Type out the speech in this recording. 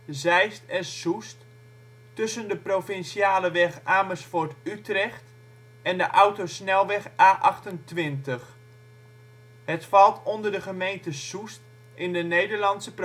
Zeist en Soest tussen de provinciale weg Amersfoort-Utrecht (N237) en de autosnelweg A28. Het valt onder de gemeente Soest in de Nederlandse